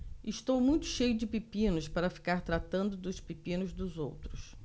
estou muito cheio de pepinos para ficar tratando dos pepinos dos outros